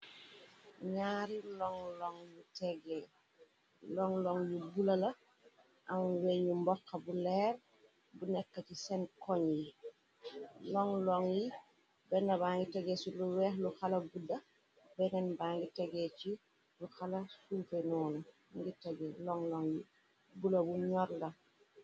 Ñaari longlong yu tegè, long long yi bula la am weñu mboxxa bu leer, bu nekk ci sen koñ yi. Longlong yi benn ba ngi tegee ci lu weex, lu xala kudda, benneen ba ngi tegee ci lu xala suufé noonu Mingi tege. Longlong yi bula bu ñorr la.